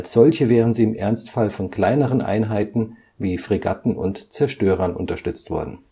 solche wären sie im Ernstfall von kleineren Einheiten wie Fregatten und Zerstörern unterstützt worden